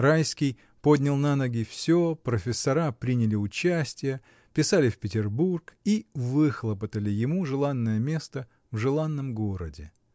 Райский поднял на ноги всё, профессора приняли участие, писали в Петербург и выхлопотали ему желанное место в желанном городе.